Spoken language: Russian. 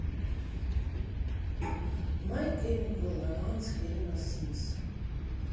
май кемикал романс хелена симс